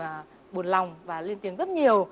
buồn lòng và lên tiếng rất nhiều